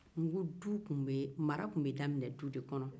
n'ko du tun bɛ mara tun bɛ daminɛ du de kɔnɔ